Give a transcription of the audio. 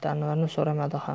anvarni so'ramadi ham